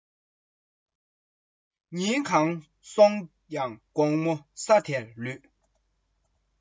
ཆུ འཐག གླང གི མིག དེ ཡོལ བས བསྒྲིབས